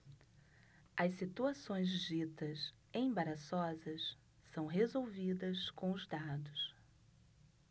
as situações ditas embaraçosas são resolvidas com os dados